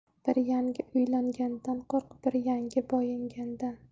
bir yangi uylangandan qo'rq bir yangi boyigandan